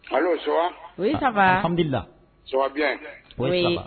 Ayiwa sɔ o ye saba an la su